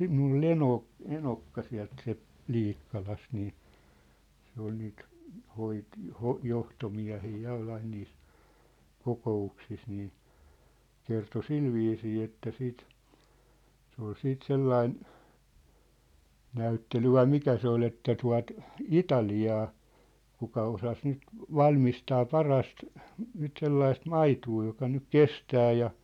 minulla oli eno eno sieltä sieltä Liikkalasta niin se oli niitä -- johtomiehiä ja oli aina niissä kokouksissa niin kertoi sillä viisiin että sitten se oli sitten sellainen näyttely vai mikä se oli että tuota Italiaa kuka osasi nyt valmistaa parasta nyt sellaista maitoa joka nyt kestää ja